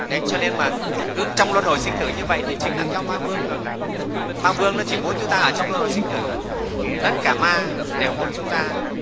cho nên cứ trong luân hồi sinh tử như vậy thì chính là theo ma vương rồi ma vương chỉ muốn chúng ta ở trong luân hồi sinh tử tất cả ma đều muốn chúng ta